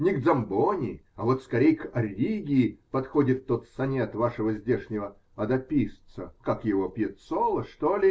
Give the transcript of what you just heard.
Не к Дзамбони, а вот скорей к Арриги подходит тот сонет вашего здешнего одописца, как его, Пеццола, что ли?